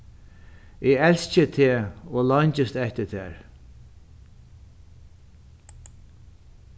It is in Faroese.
eg elski teg og leingist eftir tær